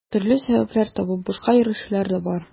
Төрле сәбәпләр табып бушка йөрүчеләр дә бар.